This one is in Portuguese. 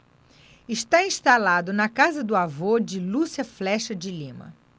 está instalado na casa do avô de lúcia flexa de lima